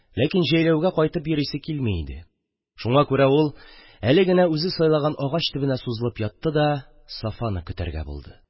Ләкин җәйләүгә кайтып йөрисе килми иде, шуңа күрә ул әле генә үзе сайлаган агач төбенә сузылып ятты да, Сафаны көтәргә булды.